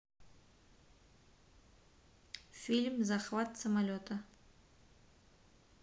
фильм захват самолета